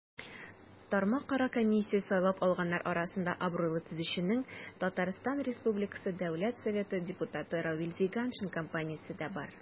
Тармакара комиссия сайлап алганнар арасында абруйлы төзүченең, ТР Дәүләт Советы депутаты Равил Зиганшин компаниясе дә бар.